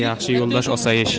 yaxshi yo'ldosh osoyish